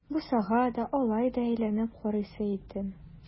Бусагада алай да әйләнеп карыйсы иттем.